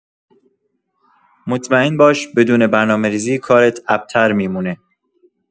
مطمئن باش بدون برنامه‌ریزی، کارت ابتر می‌مونه.